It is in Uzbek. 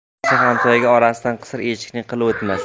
yaxshi hamsoya orasidan qisir echkining qili o'tmas